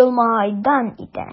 елмайгандай итә.